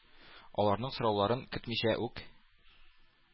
Аларның сорауларын көтмичә үк,